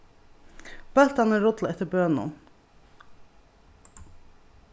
bóltarnir rulla eftir bønum